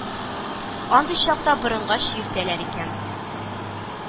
Андый чакта борынга чиертәләр икән